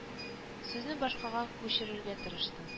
Сүзне башкага күчерергә тырышты